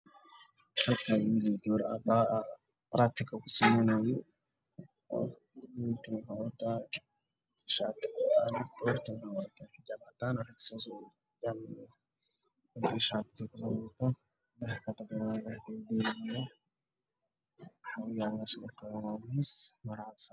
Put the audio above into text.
meeshaan waxaa tagan wiil iyo gabar wataan dhar cadaan ah oo braticle samaynayaan ka dambeeyo daah gaduud ah